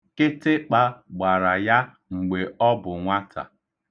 Kịtịkpa gbara ya mgbe ọ bụ nwata.